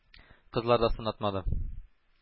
Кызлар да сынатмады,